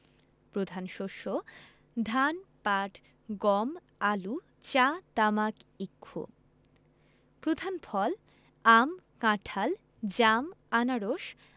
প্রধান শস্যঃ ধান পাট গম আলু চা তামাক ইক্ষু প্রধান ফলঃ আম কাঁঠাল জাম আনারস